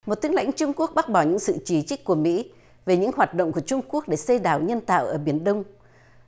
một tướng lĩnh trung quốc bác bỏ những sự chỉ trích của mỹ về những hoạt động của trung quốc để xây đảo nhân tạo ở biển đông